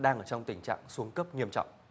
đang ở trong tình trạng xuống cấp nghiêm trọng